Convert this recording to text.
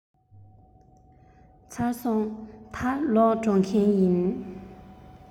ཞལ ལག ཁ ལག མཆོད བཞེས ཚར སོང ངས